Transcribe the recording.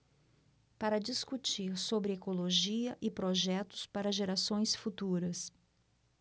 para discutir sobre ecologia e projetos para gerações futuras